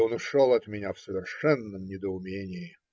Он ушел от меня в совершенном недоумении.